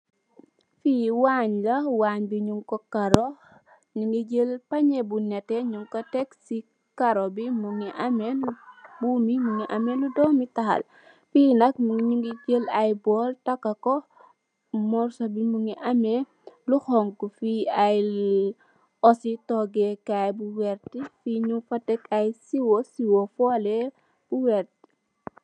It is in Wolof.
Fi wañ la, wañ bi ñing ko karó ñengi jél pañe bu netteh ñing ko tèk ci karó bi, buum yi mugii ameh lu doomi tahal, fi nak ñu ngi jél ay bóól takka ko morsor bi mugii am lu xonxu fi ay osyi tóógekaay bu werta fi ñing fa tek siwo bu werta.